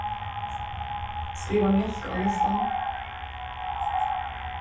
skriva mjólk á listan